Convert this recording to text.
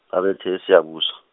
ngabelethelwa eSiyabuswa.